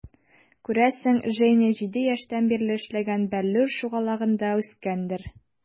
Күрәсең, Женя 7 яшьтән бирле эшләгән "Бәллүр" шугалагында үскәндер.